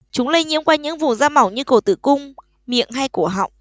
chúng lây nhiễm qua những vùng da mỏng như cổ tử cung miệng hay cổ họng